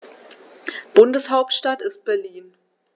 Bundeshauptstadt ist Berlin.